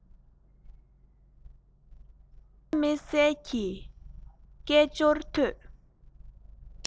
གསལ ལ མི གསལ བའི སྐད ཅོར ཐོས